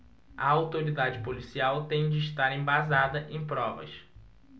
a autoridade policial tem de estar embasada em provas